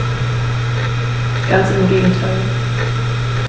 Ganz im Gegenteil.